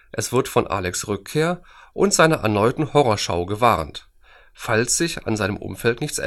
Es wird vor Alex ' Rückkehr und seiner erneuten Horrorschau gewarnt, falls sich an seinem Umfeld nichts